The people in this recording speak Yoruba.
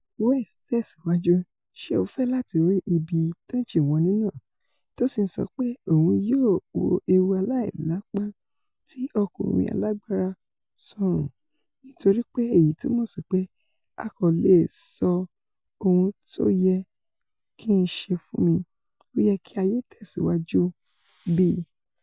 West tẹ̀síwájú: ''Ṣe o fẹ́ láti rí ibi tójìnwọnú náà?'' tó sì ńsọ pé òun yóò ''wọ ẹ̀wù aláìlápá ti ọkùnrin alágbára sọ́rùn, nítorípe èyí túmọ̀ sípé ò kò leè sọ ohun tóyẹ kí ńṣe fúnmi. Ó fẹ́ kí ayé tẹ̀síwájú bí?